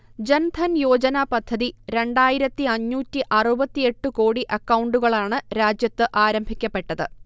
ജൻധൻയോജന പദ്ധതി രണ്ടായിരത്തി അഞ്ഞൂറ്റി അറുപത്തിയെട്ട് കോടി അക്കൗണ്ടുകളാണ് രാജ്യത്ത് ആരംഭിക്കപ്പെട്ടത്